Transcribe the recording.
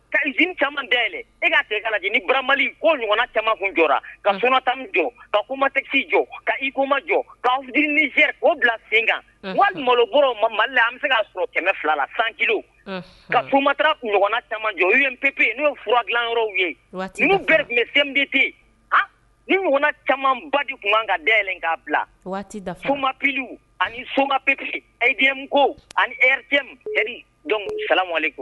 Ka n caman bɛɛ yɛlɛ e ka se alaj barama ko ɲɔgɔn caman kun jɔ ka sotami jɔ ka kumamatɛsi jɔ ka ikoma jɔ kaz o bila sen kan waati olu b ma mali an bɛ se ka sɔrɔ kɛmɛ filala san kilo ka kumamatara ɲɔgɔnna caman jɔ u ye pepye n'o fura dilalanyɔrɔw ye'u bere tun bɛ sen bip a ni ɲɔgɔn caman baju tun kan ka da yɛlɛ k'a bila waati da kuma pp ani soma pep edimu ko ani ɛre salenko